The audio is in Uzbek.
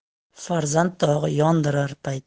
farzand dog'i yondirar